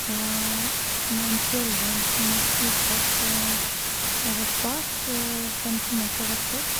Og med en fjellvegg som var stupbratt rett bak, femti meter rett opp.